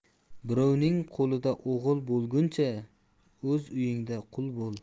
birovning qoiida o'g'il bo'lguncha o'z uyingda qui bo'l